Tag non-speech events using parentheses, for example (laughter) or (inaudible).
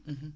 (hesitation) (hesitation)